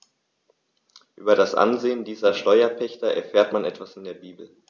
Über das Ansehen dieser Steuerpächter erfährt man etwa in der Bibel.